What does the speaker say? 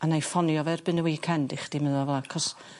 A nai ffonio fo erbyn y weekend i chdi medda fo 'c'os